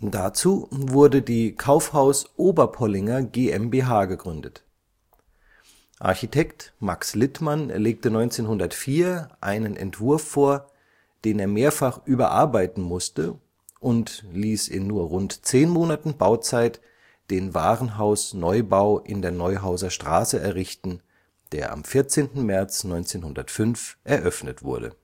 Dazu wurde die Kaufhaus Oberpollinger G.m.b.H. gegründet. Architekt Max Littmann legte 1904 einem Entwurf vor, den er mehrfach überarbeiten musste und ließ in nur rund zehn Monaten Bauzeit den Warenhaus-Neubau in der Neuhauser Straße errichten, der am 14. März 1905 eröffnet wurde